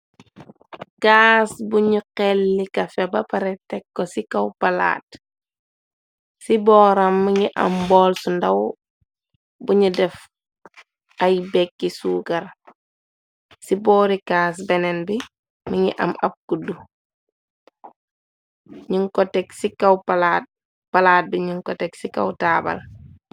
Kaas buñu xelli kafe ba pare tekko ci kaw palaat, ci booram mungi am bool su ndaw buñu def ay bekki suugar. Ci boori kaas benen bi mungi am ab kuddu, ñun ko teg ci kaw palaat. Palaat bi ñun ko teg ci kaw taabal.